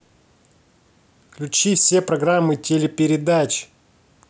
включи все программы телепередач